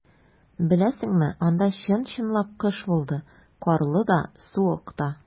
Беләсеңме, анда чын-чынлап кыш булды - карлы да, суык та.